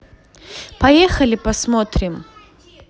поехали посмотрим